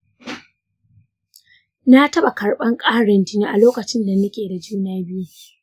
na taɓa karɓar ƙarin jini a lokacin da nake da juna biyu.